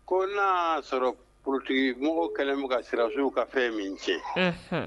Ko n naaa sɔrɔ porotigimɔgɔw kɛlen ka sirasiw ka fɛn min ce